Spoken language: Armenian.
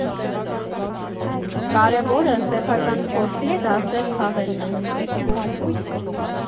Կարևորը՝ սեփական փորձից դասեր քաղելն է։